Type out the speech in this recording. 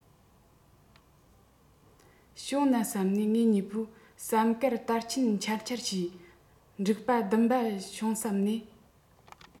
བྱུང ན བསམས ནས ངེད གཉིས པོས བསམ དཀར དར ཆེན འཕྱར འཕྱར བྱས འགྲིག པ སྡུམ པ འབྱུང བསམ ནས